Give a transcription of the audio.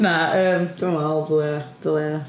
Na yym dwi'n meddwl dylia, dylia...